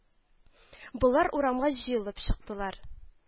Болар урамга җыелып чыктылар